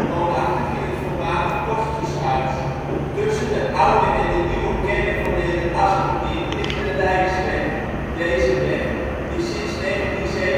woonachtig in het voormalig kostershuis. Tussen de oude en de nieuwe kernen van Nederasselt in ligt de " Rijksweg ". Deze weg, die sinds 1927